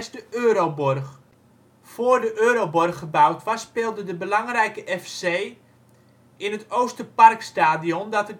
de Euroborg. Voor de Euroborg gebouwd was speelde de plaatselijke FC in het Oosterparkstadion dat een